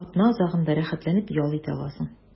Атна азагында рәхәтләнеп ял итә аласың.